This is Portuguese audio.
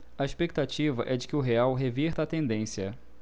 a expectativa é de que o real reverta a tendência